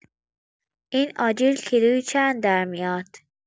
این آجیل کیلویی چند در می‌آد؟